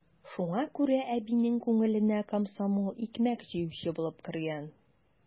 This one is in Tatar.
Шуңа күрә әбинең күңеленә комсомол икмәк җыючы булып кергән.